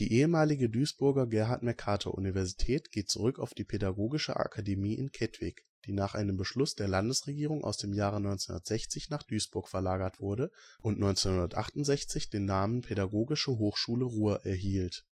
ehemalige Duisburger Gerhard-Mercator-Universität geht zurück auf die Pädagogische Akademie in Kettwig, die nach einem Beschluss der Landesregierung aus dem Jahre 1960 nach Duisburg verlagert wurde und 1968 den Namen " Pädagogische Hochschule Ruhr " erhielt